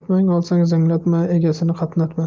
ketmon olsang zanglatma egasini qatnatma